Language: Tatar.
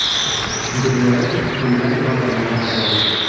Гөлзәрә белгән догаларын кабатлады.